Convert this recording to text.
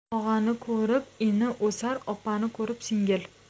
og'ani ko'rib ini o'sar opani ko'rib singil